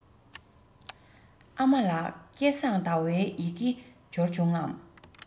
ཨ མ ལགས སྐལ བཟང ཟླ བའི ཡི གེ འབྱོར བྱུང ངམ